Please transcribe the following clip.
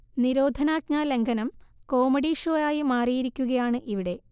നിരോധനാജ്ഞ ലംഘനം comedy show ആയി മാറിയിരിക്കുകയാണ് ഇവിടെ